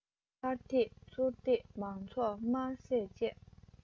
ཕར དེད ཚུར དེད མང ཚོགས དམར ཟས བཅད